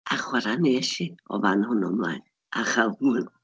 A chwarae wnes i o fan hwnnw mlaen, a chael hwyl.